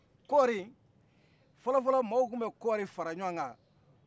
kɔri fɔlɔfɔlɔ mɔgɔw tun bɛ kɔri fara ɲɔgɔnkan